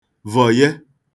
vọ̀ghe